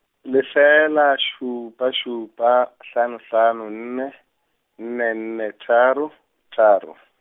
lefela, šupa šupa hlano hlano nne, nne nne tharo , tharo.